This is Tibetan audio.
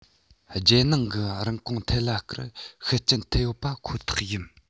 རྒྱལ ནང གི རིན གོང ཐད ལ ཀར ཤུགས རྐྱེན ཐེབས ཡོད པ ཁོ ཐག ཡིན